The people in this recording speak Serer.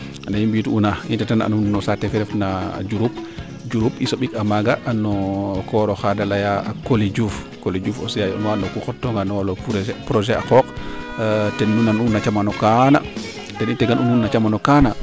ne i mbi it uuna i ndeta na saate ref na Diouroup i sombik a maaga no kooroxa de leya Coly Diouf Coly Diouf a yond nuwa ku xot toonga no waalu projet a qooq ten nu nan u na camano kaana ten i tegan u nuun na camano kaana